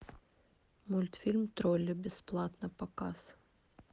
мультфильм тролли бесплатно показ